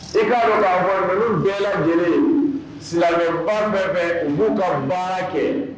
I'a k'a ninnu bɛɛ lajɛlen silamɛba bɛɛ bɛn u b'u ka baara kɛ